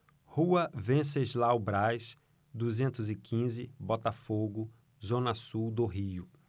rua venceslau braz duzentos e quinze botafogo zona sul do rio